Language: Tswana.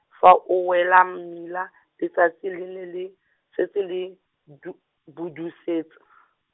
fa a wela mmila, letsatsi le ne le, setse le, du-, budusetsa.